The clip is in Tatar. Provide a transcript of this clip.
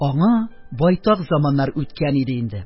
Аңа байтак заманнар үткән иде инде,